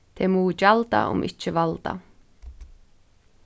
tey mugu gjalda um ikki valda